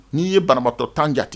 N'i ye banbatɔ tan jate